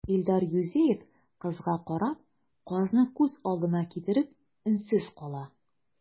Илдар Юзеев, кызга карап, казны күз алдына китереп, өнсез кала.